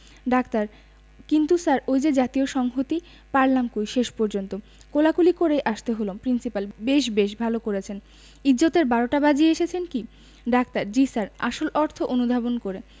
doctor কিন্তু sir ওই যে জাতীয় সংহতি পারলাম কই শেষ পর্যন্ত কোলাকুলি করেই আসতে হলো প্রিন্সিপাল বেশ বেশ ভালো করেছেন ইজ্জতের বারোটা বাজিয়ে এসেছেন কি ডাক্তার জ্বী স্যার আসল অর্থ অনুধাবন করে